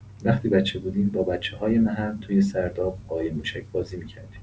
وقتی بچه بودیم، با بچه‌های محل توی سرداب قایم‌موشک بازی می‌کردیم.